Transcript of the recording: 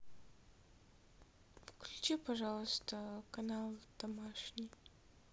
включи пожалуйста канал домашний